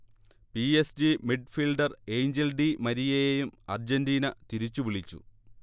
P. S. G midfielder Angel Di മരിയയെയും Argentina തിരിച്ചുവിളിച്ചു